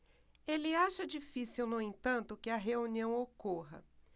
ele acha difícil no entanto que a reunião ocorra